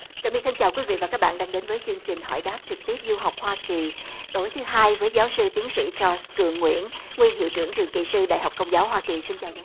trà my thân chào quý vị và các bạn đang đến với chương trình hỏi đáp trực tiếp du học hoa kỳ tối thứ hai với giáo sư tiến sĩ gion cương nguyễn nguyên hiệu trưởng trường kỹ sư đại học công giáo hoa kỳ xin chào giáo